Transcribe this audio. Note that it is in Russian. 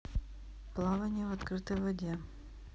плавание в открытой воде